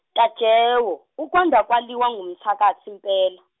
Tajewo, ukwanda kwaliwa ngumthakathi mpela.